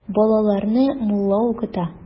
Балаларны мулла укыта.